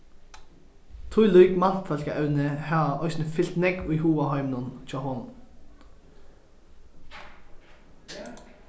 tílík mannfólkaevni hava eisini fylt nógv í hugaheiminum hjá honum